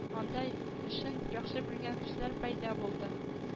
Анда эшен яхшы белгән кешеләр пәйда булды